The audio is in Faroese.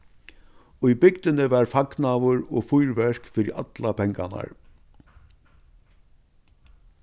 í bygdini var fagnaður og fýrverk fyri allar pengarnar